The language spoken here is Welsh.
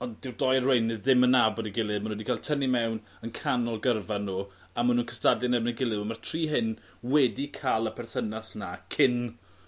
ond dyw dou arweinydd ddim yn nabod ei gilydd ma' n'w 'di ca'l tynnu mewn yn canol gyrfa n'w a ma' nw'n cystadlu yn erbyn ei gilydd wel ma'r tri hyn wedi ca'l y perthynas 'na cyn